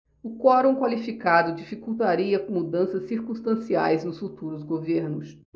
o quorum qualificado dificultaria mudanças circunstanciais nos futuros governos